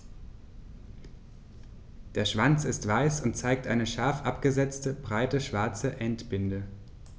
Der Schwanz ist weiß und zeigt eine scharf abgesetzte, breite schwarze Endbinde.